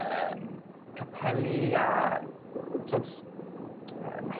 yym capeli a t'od yym